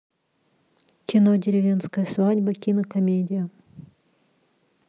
кино деревенская свадьба кинокомедия